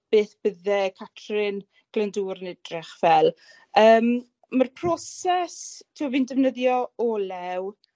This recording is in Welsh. beth bydde Catrin Glyndwr yn idrych fel. Yym ma'r proses, t'wo' fi'n defnyddio olew